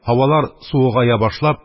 Һавалар суыгая башлап,